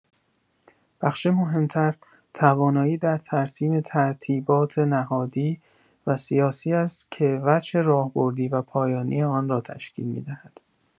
بخش مهم‌تر، توانایی در ترسیم ترتیبات نهادی و سیاسی است که وجه راهبردی و پایانی آن را تشکیل می‌دهد.